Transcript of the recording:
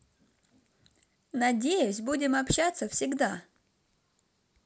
надеюсь будем общаться всегда